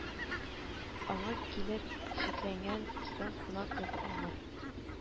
Аңа килеп чикләнгән соң кунак кызы авыр